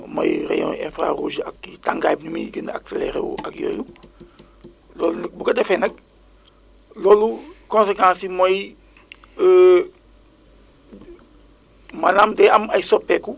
moom mooy rayon infra rouge yi ak kii tàngaay bi ni muy gën a accéléré woo ak yooyu loolu nag bu ko defee nag loolu conséquences yi mooy maanaam day am ay soppeeku